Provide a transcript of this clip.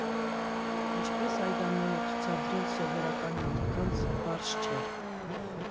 Ինչպես այդ ամենը ցուցադրել սովորական մարդկանց՝ պարզ չէր։